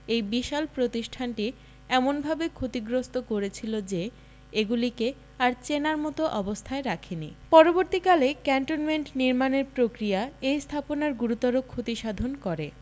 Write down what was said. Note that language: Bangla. এই বিশাল প্রতিষ্ঠানটি এমনভাবে ক্ষতিগ্রস্থ করেছিল যে এগুলিকে আর চেনার মতো অবস্থায় রাখেনি পরবর্তীকালে ক্যান্টনমেন্ট নির্মাণের প্রক্রিয়া এই স্থাপনার গুরুতর ক্ষতিসাধন করে